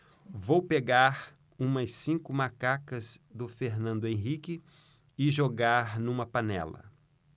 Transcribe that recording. vou pegar umas cinco macacas do fernando henrique e jogar numa panela